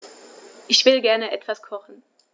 Ich will gerne etwas kochen.